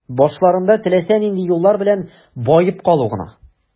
Башларында теләсә нинди юллар белән баеп калу гына.